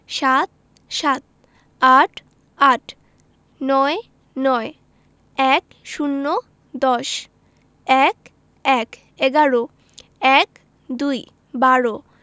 ৭ সাত ৮ আট ৯ নয় ১০ দশ ১১ এগারো ১২ বারো